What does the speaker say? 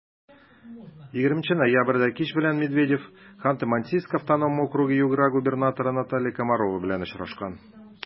20 ноябрьдә кич белән медведев ханты-мансийск автоном округы-югра губернаторы наталья комарова белән очрашачак.